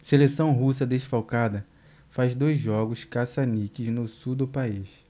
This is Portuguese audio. seleção russa desfalcada faz dois jogos caça-níqueis no sul do país